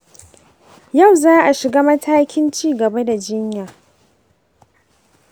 yau za a shiga matakin ci gaba da jiyya.